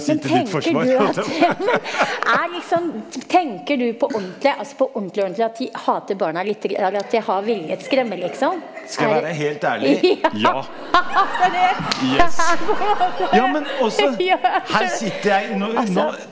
men tenker du at jammen er liksom tenker du på ordentlig, altså på ordentlig ordentlig, at de hater barna lite eller at til har villet skremme liksom, er det ja for ja altså.